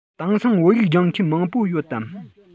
དེང སང བོད ཡིག སྦྱོང མཁན མང པོ ཡོད དམ